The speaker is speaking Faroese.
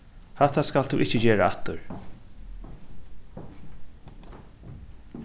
hatta skalt tú ikki gera aftur